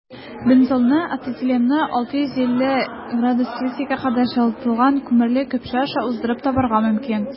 Бензолны ацетиленны 650 С кадәр җылытылган күмерле көпшә аша уздырып табарга мөмкин.